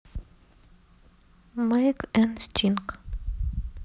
mike and sting